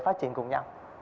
phát triển cùng nhau